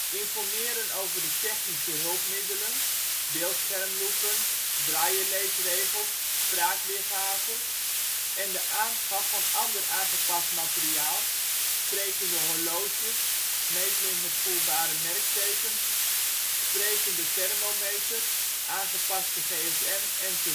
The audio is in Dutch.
informeren over de technische hulpmiddelen (beeldscherm-loepen, brailleleesregels, spraakweergave) en de aanschaf van ander aangepast materiaal (sprekende horloges, meetlint met voelbare merktekens, sprekende thermometer, aangepaste GSM, enz